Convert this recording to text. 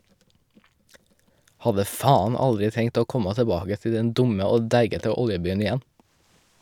Hadde faen aldri tenkt å komma tilbake til den dumme og deigete oljebyen igjen.